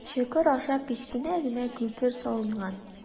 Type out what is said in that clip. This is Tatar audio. Чокыр аша кечкенә генә күпер салынган.